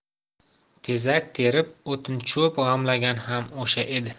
tezak terib o'tin cho'p g'amlagan ham o'sha edi